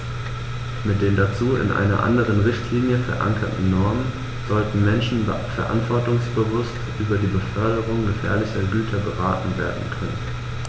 Mit den dazu in einer anderen Richtlinie, verankerten Normen sollten Menschen verantwortungsbewusst über die Beförderung gefährlicher Güter beraten werden können.